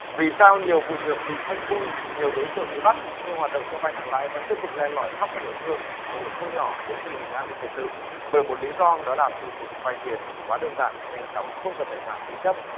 vì sao nhiều vụ việc bị phanh phui nhiều đối tượng bị bắt nhưng hoạt động cho vay nặng lãi vẫn tiếp tục len lỏi khắp các địa phương ảnh hưởng không nhỏ đến tình hình an ninh trật tự bởi một lý do đó là thủ tục vay tiền quá đơn giản nhanh chóng không cần tài sản thế chấp